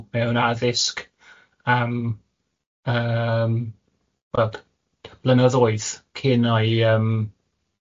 mewn addysg am yym, wel b- b- blynyddoedd cyn ei yym